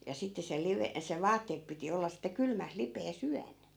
ja sitten se - se vaatteet piti olla sitten kylmässä lipeässä yön